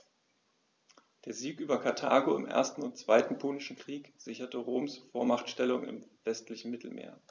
Der Sieg über Karthago im 1. und 2. Punischen Krieg sicherte Roms Vormachtstellung im westlichen Mittelmeer.